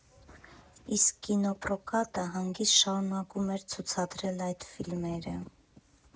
Իսկ կինոպրոկատը հանգիստ շարունակում էր ցուցադրել այդ ֆիլմերը։